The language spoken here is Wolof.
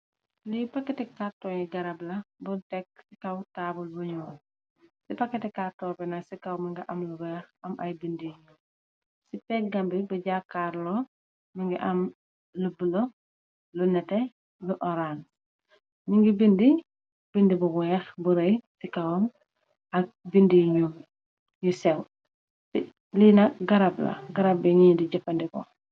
Lee packete kartoge garab la bun tekk ci kaw taabul bu ñuul ci packete karto bi nak ci kaw muga am lu weex am ay bede yu ñuul ci peggambi bu jàkkaar loo ni nga am lu bulo lu nete bu orance ñu ngi bede bu weex bu rëy ci kawam ak bede yu nuul yu sew le nak garab la garab bu neet ye de jefadeku ko.